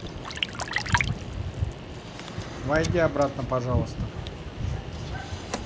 выйди обратно пожалуйста